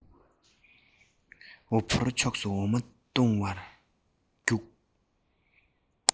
འོ ཕོར ཕྱོགས སུ འོ མ བཏུང བར བརྒྱུགས